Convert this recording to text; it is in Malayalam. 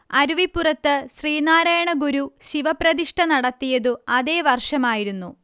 അരുവിപ്പുറത്തു ശ്രീനാരായണഗുരു ശിവപ്രതിഷ്ഠ നടത്തിയതു അതേ വർഷമായിരുന്നു